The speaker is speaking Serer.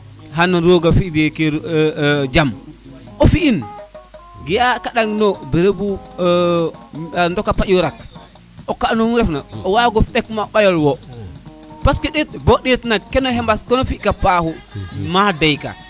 xan roga fi neke jam xana fi in ga a kaɗaŋnewo berebu ndoka paƴora ke o ka nu ref na o waago ɓek ma ɓayo lewo parce que ɗeet bo ɗeet nak kene xemba kene fika paaxu ma deyka